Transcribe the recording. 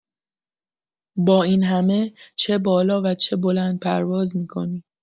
با این همه، چه بالا و چه بلندپرواز می‌کنی!